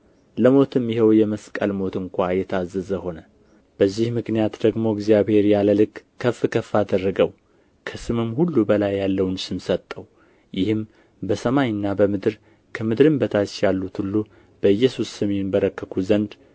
ለሞትም ይኸውም የመስቀል ሞት እንኳ የታዘዘ ሆነ በዚህ ምክንያት ደግሞ እግዚአብሔር ያለ ልክ ከፍ ከፍ አደረገው ከስምም ሁሉ በላይ ያለውን ስም ሰጠው ይህም በሰማይና በምድር ከምድርም በታች ያሉት ሁሉ በኢየሱስ ስም ይንበረከኩ ዘንድ